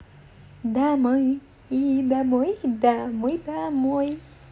домой домой домой домой